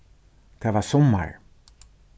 tað var summar